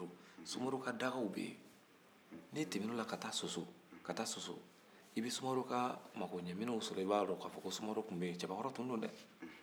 n'i tɛmɛ n'o la ka taa soso ka taa soso i bɛ sumaworo ka makoɲɛminɛnw sɔrɔ ye i b'a dɔn k'a fɔ ko sumaworo tun bɛ yen cɛbakɔrɔ tun don dɛ